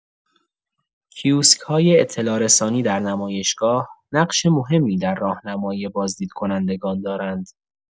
کیوسک‌های اطلاع‌رسانی در نمایشگاه نقش مهمی در راهنمایی بازدیدکنندگان دارند.